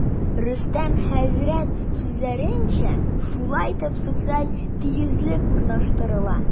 Рөстәм хәзрәт сүзләренчә, шулай итеп, социаль тигезлек урнаштырыла.